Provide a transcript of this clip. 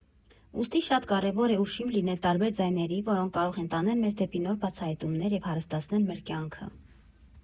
Ուստի, շատ կարևոր է ուշիմ լինել տարբեր «ձայների», որոնք կարող են տանել մեզ դեպի նոր բացահայտումներ և հարստացնել մեր կյանքը։